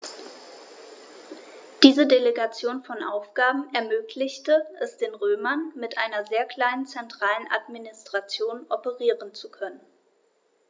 Diese Delegation von Aufgaben ermöglichte es den Römern, mit einer sehr kleinen zentralen Administration operieren zu können.